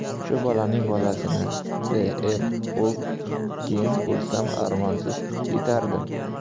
shu bolamning bolasini bi ir o'pib keyin o'lsam armonsiz ketardim